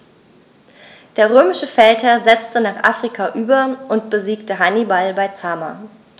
Der römische Feldherr setzte nach Afrika über und besiegte Hannibal bei Zama.